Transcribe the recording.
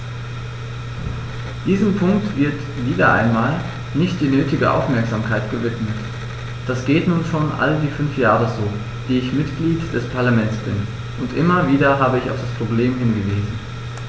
Diesem Punkt wird - wieder einmal - nicht die nötige Aufmerksamkeit gewidmet: Das geht nun schon all die fünf Jahre so, die ich Mitglied des Parlaments bin, und immer wieder habe ich auf das Problem hingewiesen.